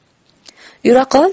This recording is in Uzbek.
yura qol